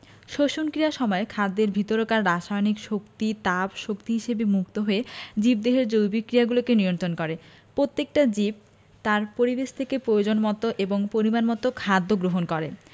শ্বসন ক্রিয়ার সময় খাদ্যের ভেতরকার রাসায়নিক শক্তি তাপ শক্তি হিসেবে মুক্ত হয়ে জীবদেহের জৈবিক ক্রিয়াগুলোকে নিয়ন্তন করে প্রত্যেকটা জীব তার পরিবেশ থেকে পয়োজনমতো এবং পরিমাণমতো খাদ্য গ্রহণ করে